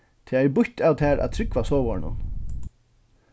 tað er býtt av tær at trúgva sovorðnum